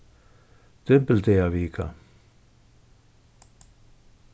dymbildagavika